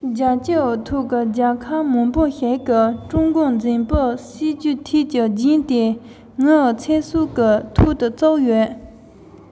ལོ མང པོའི སྔོན ནས ངས གནད དོན དེ ཤེས བྱུང